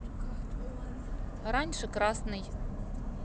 раньше красный